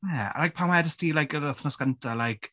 Ie a like pan wedest ti like yn yr wythnos gyntaf like...